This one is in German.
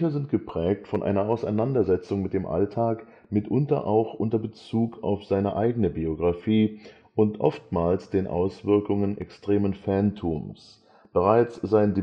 sind geprägt von einer Auseinandersetzung mit dem Alltag, mitunter auch unter Bezug auf seine eigene Biographie, und oftmals den Auswirkungen extremen Fantums. Bereits sein